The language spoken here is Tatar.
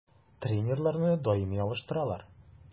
Тренерларны даими алыштыралар.